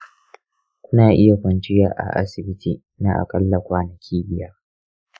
kuna iya kwanciya a asibiti na aƙalla kwanaki biyar.